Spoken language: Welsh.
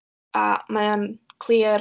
A mae o'n clir.